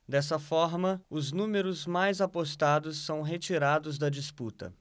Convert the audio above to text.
dessa forma os números mais apostados são retirados da disputa